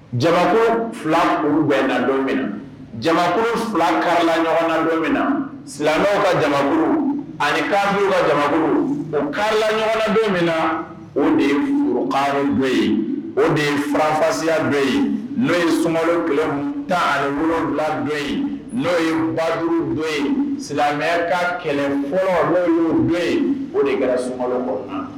Jamakoro fila olu bɛ don jamakorokarala ɲɔgɔn don min na silamɛw ka jamuru ani ka ja o karila ɲɔgɔn don min na o de furukan don yen o de farafasiya don yen n'o ye sunka tan ani wolowula don yen n'o ye baj don yen silamɛ ka kɛlɛkɔrɔ'o don o de kɛra